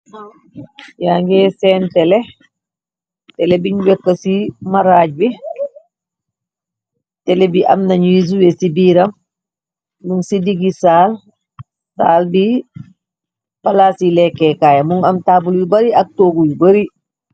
yaa ngee seen tele tele biñ wekk ci maraaj bi tele bi am nañuy zuwe ci biiram mun ci diggi saal taal bi palaas yi lekkeekaay mun am taabul yu bari ak toogu yu bari